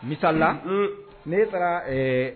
Bisala ne taara